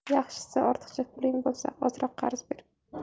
yaxshisi ortiqcha puling bo'lsa ozroq qarz ber